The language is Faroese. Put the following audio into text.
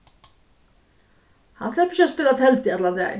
hann sleppur ikki at spæla teldu allan dagin